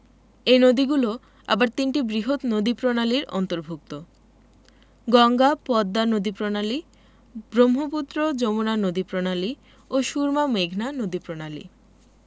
এই নদীগুলো আবার তিনটি বৃহৎ নদীপ্রণালীর অন্তর্ভুক্ত গঙ্গা পদ্মা নদীপ্রণালী ব্রহ্মপুত্র যমুনা নদীপ্রণালী ও সুরমা মেঘনা নদীপ্রণালী